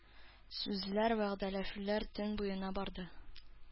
Сүзләр, вәгъдәләшүләр төн буена барды.